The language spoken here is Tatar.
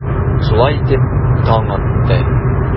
Шулай итеп, таң атты.